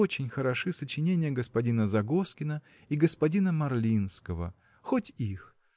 очень хороши сочинения господина Загоскина и господина Марлинского – хоть их